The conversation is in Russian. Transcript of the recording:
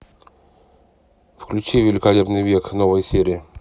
включи великолепный век новые серии